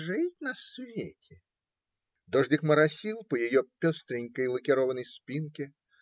жить на свете!" Дождик моросил по ее пестренькой лакированной спинке